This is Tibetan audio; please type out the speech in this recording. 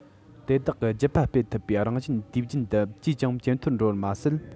དེ དག གི རྒྱུད པ སྤེལ ཐུབ པའི རང བཞིན དུས རྒྱུན དུ ཅིས ཀྱང ཇེ མཐོར འགྲོ བ མ ཟད